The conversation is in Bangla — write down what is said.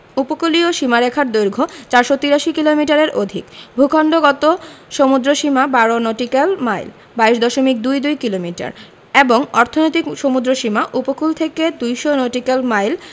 উপকূলীয় সীমারেখার দৈর্ঘ্য ৪৮৩ কিলোমিটারের অধিক ভূখন্ডগত সমুদ্রসীমা ১২ নটিক্যাল মাইল ২২ দশমিক দুই দুই কিলোমিটার এবং অর্থনৈতিক সমুদ্রসীমা উপকূল থেকে ২০০ নটিক্যাল মাইল